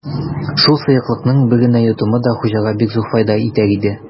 Шул сыеклыкның бер генә йотымы да хуҗага бик зур файда итәр иде.